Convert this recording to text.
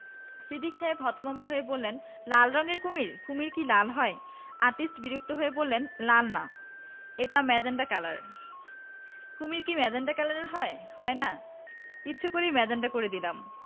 সিদ্দিক সাহেব হতভম্ব হয়ে বললেন লাল রঙের কুমীর শমীর কি লাল হয় আর্টিস্ট বিরক্ত মুখে বললেন লাল না এটা মেজেন্টা কালার কুমীর কি মেজেন্টা কালারের হয় হয় না ইচ্ছা করেই মেজেন্টা করে দিলাম